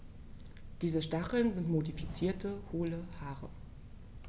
Diese Stacheln sind modifizierte, hohle Haare.